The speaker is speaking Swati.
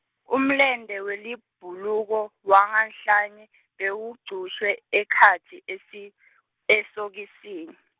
umlente welibhuluko wanganhlanye bewugcushwe ekhatsi esi- , esokisini.